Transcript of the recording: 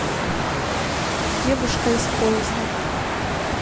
девушка из поезда